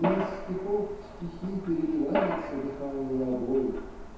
и из стихов в стихи переливается дыхание обоих